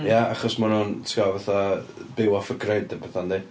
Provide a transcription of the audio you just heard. Mm... ia achos maen nhw'n, ti'n gwbod, fatha byw off the grid a petha yndi.